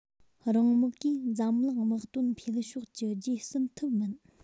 རང དམག གིས འཛམ གླིང དམག དོན འཕེལ ཕྱོགས ཀྱི རྗེས ཟིན ཐུབ མིན